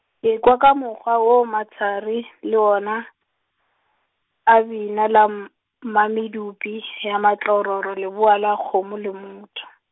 ekwa ka mokgwa wo mathari le ona, a bina la m- mmamedupi , ya matlorotloro lebowa la kgomo le motho.